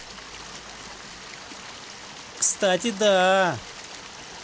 кстати да